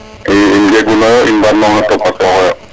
i in njeguno yo in mbar no topatoxo yo